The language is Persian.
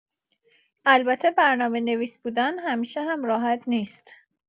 البته برنامه‌نویس بودن همیشه هم راحت نیست.